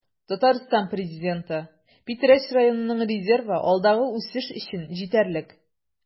Татарстан Президенты: Питрәч районының резервы алдагы үсеш өчен җитәрлек